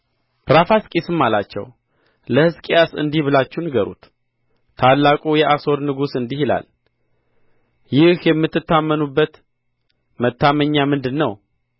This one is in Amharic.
ራፋስቂስም አላቸው ለሕዝቅያስ እንዲህ ብላችሁ ንገሩት ታላቁ የአሦር ንጉሥ እንዲህ ይላል ይህ የምትታመንበት መተማመኛ ምንድር ነው